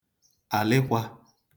àlịkwā